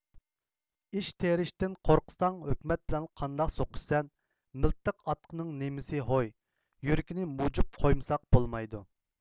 ئىش تېرىشتىن قورقساڭ ھۆكۈمەت بىلەن قانداق سوقۇشىسەن مىلتىق ئاتقىنىڭ نېمىسى ھوي يۈرىكىنى موجۇپ قويمىساق بولمايدۇ